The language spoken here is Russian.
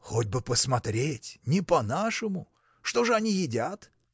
– Хоть бы посмотреть: не по-нашему! Что же они едят?